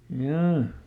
jaa